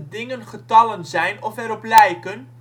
dingen getallen zijn of erop lijken